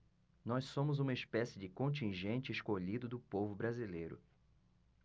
nós somos uma espécie de contingente escolhido do povo brasileiro